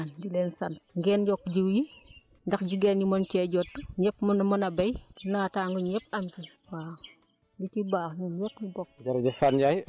maa ngi leen di ñaan di leen sant ngeen yokk jiw yi ndax jigéen ñi mën cee jot ñëpp mun mun a béy naataange ñëpp am ci waaw li ci baax ñun ñëpp ñu bokk ko